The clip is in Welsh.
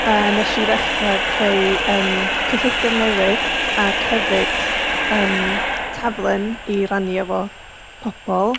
A wnes i ddechrau creu cylchlythyr newydd ac hefyd yym taflen i rannu efo pobl.